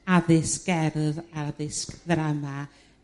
addysg gerdd addysg ddrama